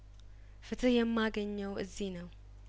ፍትህ የማገኘው እዚህ ነው